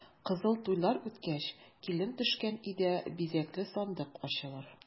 Кызыл туйлар үткәч, килен төшкән өйдә бизәкле сандык ачылыр.